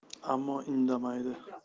ammo indamaydi